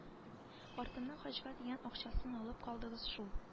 Картымның хаҗга дигән акчасын алып калдыгыз шул